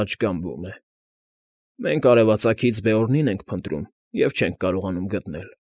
Պատշգամբում է։ Մենք արևածագից Բեորնին ենք փնտրում և չենք կարողանում գտնել։